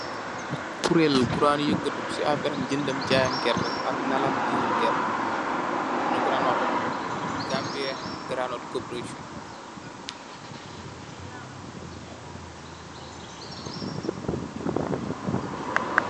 Kureel gu daan yëngu ci waalum jëndë ak jaayum gérte, ak nalam diwu gérte, ñu ko daan wax,"Gambia Groundnut Cooperations".